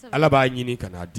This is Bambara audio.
Ala b'a ɲini ka n'a di